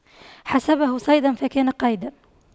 حسبه صيدا فكان قيدا